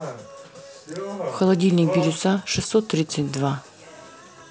холодильник бирюса шестьсот тридцать два